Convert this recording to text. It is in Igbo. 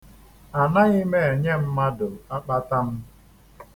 A naghị m enye mmadụ akpata m.